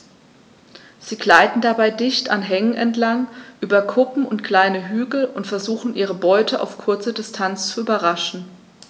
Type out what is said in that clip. Sie gleiten dabei dicht an Hängen entlang, über Kuppen und kleine Hügel und versuchen ihre Beute auf kurze Distanz zu überraschen.